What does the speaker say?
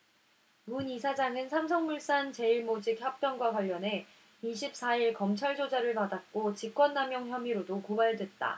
문 이사장은 삼성물산 제일모직 합병과 관련해 이십 사 일 검찰 조사를 받았고 직권남용 혐의로도 고발됐다